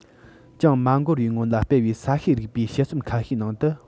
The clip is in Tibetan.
ཅུང མ འགོར པའི སྔོན ལ སྤེལ བའི ས གཤིས རིག པའི དཔྱད རྩོམ ཁ ཤས ནང དུ